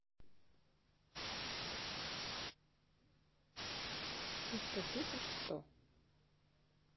ты что дышишь сто